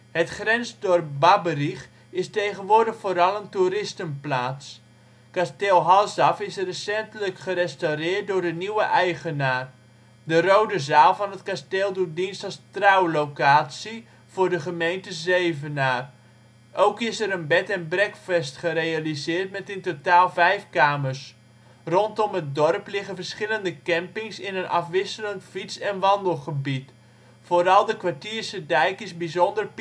Het grensdorp Babberich is tegenwoordig vooral een toeristenplaats. Kasteel Halsaf is recentelijk gerestaureerd door de nieuwe eigenaar. De Rode Zaal van het kasteel doet dienst als trouwlocatie voor de gemeente Zevenaar. Ook is er een Bed and Breakfast gerealiseerd met in totaal vijf kamers. Rondom het dorp liggen verschillende campings in een afwisselend fiets - en wandelgebied. Vooral de Kwartiersedijk is bijzonder